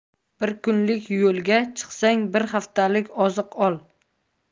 bir kunlik yo'lga chiqsang bir haftalik oziq ol